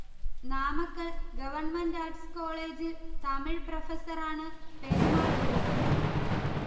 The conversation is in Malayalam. നാമക്കൽ ഗവൺമെന്റ് ആർട്സ് കോളേജിൽ തമിഴ് പ്രഫസറാണ് പെരുമാൾ മുരുഗൻ